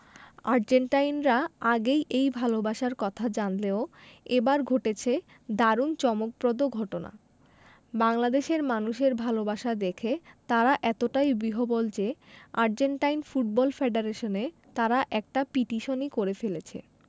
আর্জেন্টাইনরা আগেই এই ভালোবাসার কথা জানলেও এবার ঘটেছে দারুণ চমকপ্রদ ঘটনা বাংলাদেশের মানুষের ভালোবাসা দেখে তারা এতটাই বিহ্বল যে আর্জেন্টাইন ফুটবল ফেডারেশনে তারা একটা পিটিশনই করে ফেলেছে